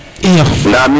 iyo